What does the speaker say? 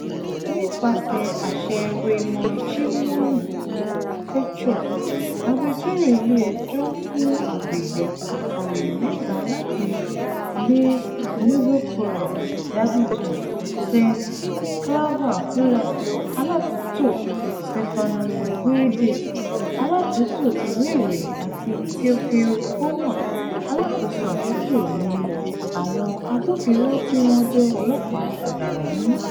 Nípasẹ̀ àṣẹ Raymond Tchimonu Fehou, agbẹjọ́rò ilé ẹjọ́ fún agbègbè, akọ̀ròyìn mẹ́ta láti Le Nouveau Courrier d'Abidjan, saint claver Oula, alátúntò, Stéphane Guédé, alátúntò ìwé ìròyìn àti Théophile Kouamouo, Alákóso àtúntò ni àwọn agbófinró tí wọ́n jẹ́ ọlọ́pàá ọ̀daràn mú.